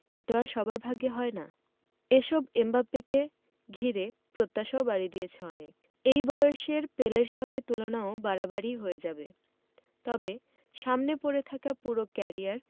এ তো আর সবার ভাগ্যে হয় না এসব এমবাপ্পেকে ঘিরে প্রত্যাশাও বাড়িয়ে দিয়েছে অনেক এই বয়সের পেলের সঙ্গে তুলনাও বাড়াবাড়িই হয়ে যাবে তবে সামনে পড়ে থাকা পুরো ক্যারিয়ার